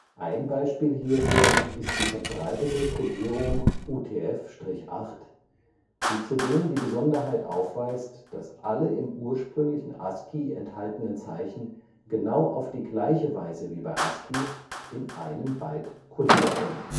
Ein Beispiel hierfür ist die verbreitete Codierung UTF-8, die zudem die Besonderheit aufweist, dass alle im ursprünglichen ASCII enthaltenen Zeichen genau auf die gleiche Weise wie bei ASCII in einem Byte codiert werden